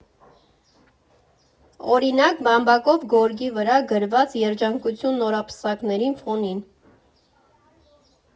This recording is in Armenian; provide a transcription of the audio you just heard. Օրինակ՝ բամբակով գորգի վրա գրված «Երջանկություն նորապսակներին» ֆոնին։